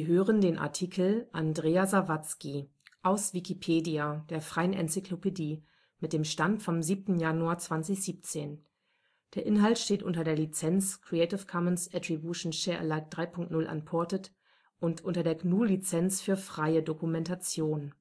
hören den Artikel Andrea Sawatzki, aus Wikipedia, der freien Enzyklopädie. Mit dem Stand vom Der Inhalt steht unter der Lizenz Creative Commons Attribution Share Alike 3 Punkt 0 Unported und unter der GNU Lizenz für freie Dokumentation.